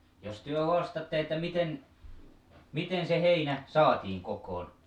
jos te haastatte että miten miten se heinä saatiin kokoon